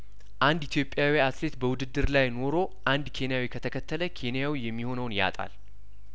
አንድ ኢትዮጵያዊ አትሌት በውድድር ላይ ኖሮ አንድ ኬንያዊ ከተከተለው ኬንያው የሚሆነውን ያጣል